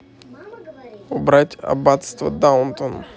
убрать аббатство даунтон